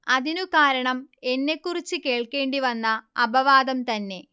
അതിനു കാരണം എന്നെക്കുറിച്ചു കേൾക്കേണ്ടി വന്ന അപവാദം തന്നെ